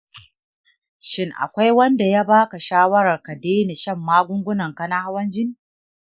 shin akwai wanda ya ba ka shawarar ka daina shan magungunanka na hawan jini?